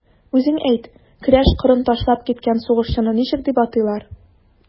Үзең әйт, көрәш кырын ташлап киткән сугышчыны ничек дип атыйлар?